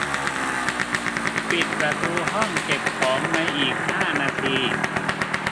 ปิดประตูห้องเก็บของในอีกห้านาที